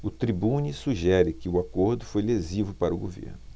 o tribune sugere que o acordo foi lesivo para o governo